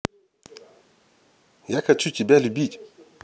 я хочу тебя любить